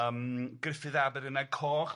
Yym Gruffudd ab yr Ynad Coch